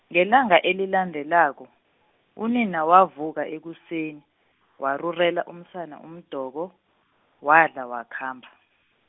ngelanga elilandelako, unina wavuka ekuseni, warurela umsana umdoko, wadla wakhamba.